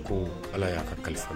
Ko ala y'a ka kalifa